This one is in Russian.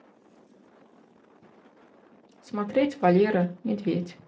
смотреть валера медведь